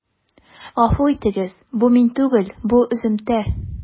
Гафу итегез, бу мин түгел, бу өземтә.